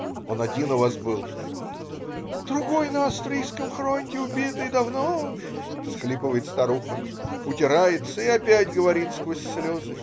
"Он один у вас был?" - "Другой на австрийском хронте убитый, давно уж, всхлипывает старуха, утирается и опять говорит сквозь слезы.